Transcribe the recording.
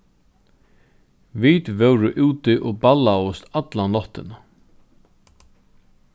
vit vóru úti og ballaðust alla náttina